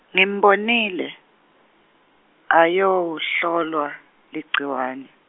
Ngimbonile, ayowuhlolwa ligciwane.